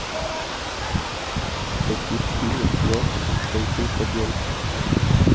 в каких фильмах снялся константин хабенский